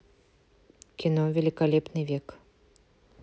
кино великолепный век